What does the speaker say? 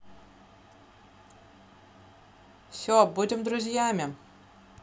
все будем друзьями